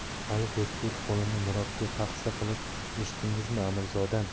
ali do'stbek qo'lini mirobga paxsa qilib eshitdingizmi amirzodam